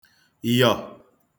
yọ̀